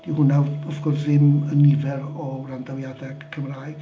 'Di hwnna w- wrth gwrs ddim yn nifer o wrandawiadau Cymraeg.